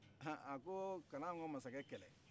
a ko kana anw ka masakɛ kɛlɛ